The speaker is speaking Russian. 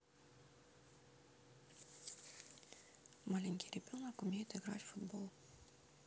маленький ребенок умеет играть в футбол